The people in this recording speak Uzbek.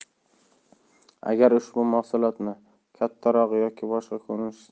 agar ushbu mahsulotni kattarog'i yoki boshqa